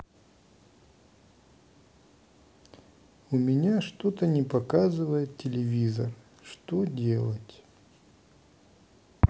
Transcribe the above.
у меня что то не показывает телевизор что делать